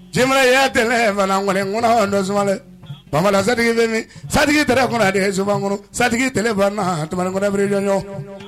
Cɛ i' tɛla satigi bɛ satigi tɛ kɔnɔ a so satigimanibri